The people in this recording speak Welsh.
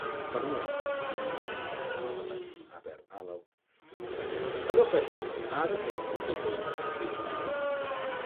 a Branwen sydd yn marw fan hyn yn Aber Alaw. Sylwch felly ar yr hyn sy'n digwydd ar ddiwedd y stori.